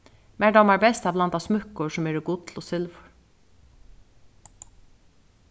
mær dámar best at blanda smúkkur sum eru gull og silvur